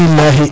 bilahi